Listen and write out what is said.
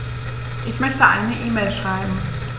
Ich möchte eine E-Mail schreiben.